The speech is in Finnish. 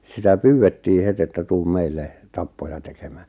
sitä pyydettiin heti että tule meille tappoja tekemään